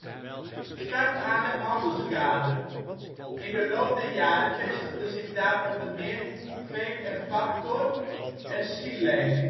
start aanleg handelskade. In de loop der jaren vestigden zich daar onder meer Veem & Factor en Sealane. 1986